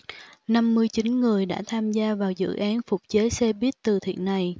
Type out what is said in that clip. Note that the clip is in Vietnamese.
năm mươi chín người đã tham gia vào dự án phục chế xe buýt từ thiện này